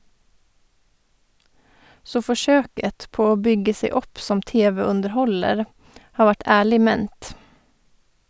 Så forsøket på å bygge seg opp som TV-underholder har vært ærlig ment.